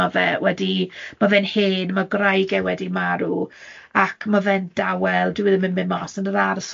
ma' fe wedi ma' fe'n hen, ma' gwraig e wedi marw, ac ma' fe'n dawel, dyw e ddim yn mynd mas yn yr ardd.